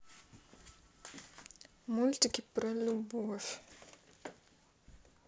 мультики про любовь